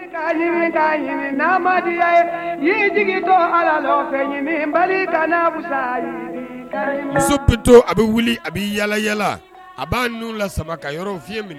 Jigi bali muso to a bɛ wuli a bɛ yaayla a b'a ninnu la ka yɔrɔ fye minɛ